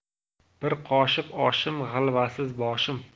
bir qoshiq oshim g'alvasiz boshim